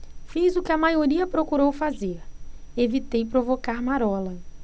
fiz o que a maioria procurou fazer evitei provocar marola